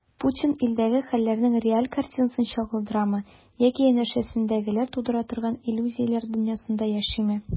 Путин илдәге хәлләрнең реаль картинасын чагылдырамы яки янәшәсендәгеләр тудыра торган иллюзияләр дөньясында яшиме?